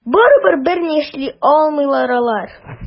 Барыбер берни эшли алмыйлар алар.